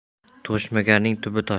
tug'ishmaganning tubi tosh